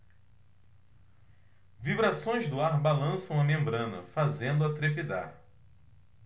vibrações do ar balançam a membrana fazendo-a trepidar